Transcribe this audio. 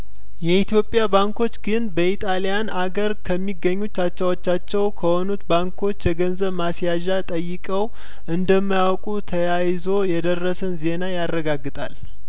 የኢትዮጵያ ባንኮች ግን በኢጣሊያን ሀገር ከሚገኙት አቻዎቻቸው ከሆኑት ባንኮች የገንዘብ ማስያዣ ጠይቀው እንደማያውቁ ተያይዞ የደረሰን ዜና ያረጋግጣል